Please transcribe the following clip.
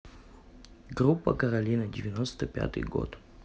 группа каролина девяносто пятый год